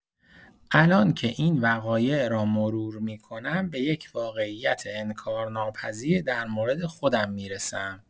الان که این وقایع را مرور می‌کنم به یک واقعیت انکارناپذیر در مورد خودم می‌رسم.